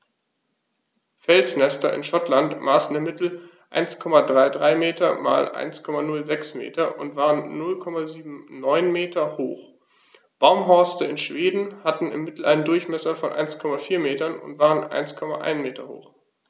Felsnester in Schottland maßen im Mittel 1,33 m x 1,06 m und waren 0,79 m hoch, Baumhorste in Schweden hatten im Mittel einen Durchmesser von 1,4 m und waren 1,1 m hoch.